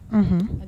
Unhhun